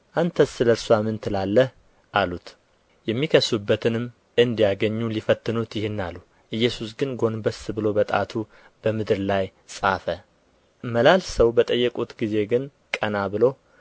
አንተስ ስለ እርስዋ ምን ትላለህ አሉት የሚከሱበትንም እንዲያገኙ ሊፈትኑት ይህን አሉ ኢየሱስ ግን ጐንበስ ብሎ በጣቱ በምድር ላይ ጻፈ መላልሰው በጠየቁት ጊዜ ግን ቀና ብሎ